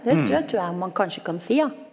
det trur jeg man kanskje kan si ja.